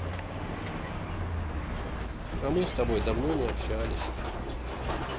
а мы с тобой давно не общались